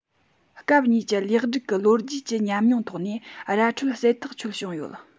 སྐབས གཉིས ཀྱི ལེགས སྒྲིག གི ལོ རྒྱུས ཀྱི ཉམས མྱོང ཐོག ནས ར སྤྲོད གསལ ཐག ཆོད བྱུང ཡོད